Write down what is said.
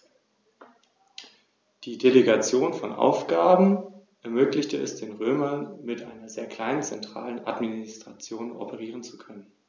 Steinadler sind erst ab dem 5. bis 7. Lebensjahr voll ausgefärbt.